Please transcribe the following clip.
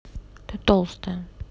ты толстая